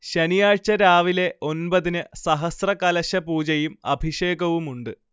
ശനിയാഴ്ച രാവിലെ ഒൻപതിന് സഹസ്രകലശപൂജയും അഭിഷേകവുമുണ്ട്